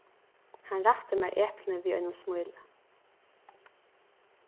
hann rætti mær eplini við einum smíli